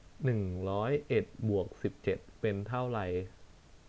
หนึ่งร้อยเอ็ดบวกสิบเจ็ดเป็นเท่าไร